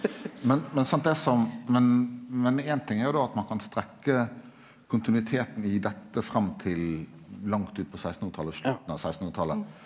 men men sant det som men men ein ting er jo då at ein kan strekke kontinuiteten i dette fram til langt utpå sekstenhundretalet og slutten av sekstenhundretalet.